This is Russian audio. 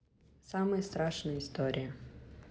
самые страшные истории